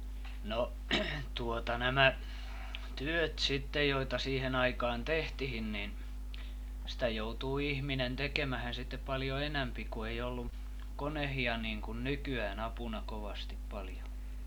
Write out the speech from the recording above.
no tuota nämä työt sitten joita siihen aikaan tehtiin niin sitä joutui ihminen tekemään sitten paljon enempi kun ei ollut koneita niin kuin nykyään apuna kovasti paljon